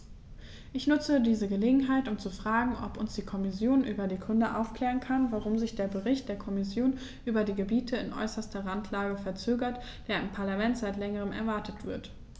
Ich nutze diese Gelegenheit, um zu fragen, ob uns die Kommission über die Gründe aufklären kann, warum sich der Bericht der Kommission über die Gebiete in äußerster Randlage verzögert, der im Parlament seit längerem erwartet wird.